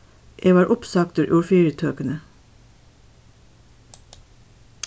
eg varð uppsagdur úr fyritøkuni